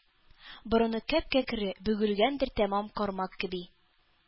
Борыны кәп-кәкре — бөгелгәндер тәмам кармак кеби;